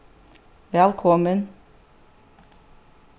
vælkomin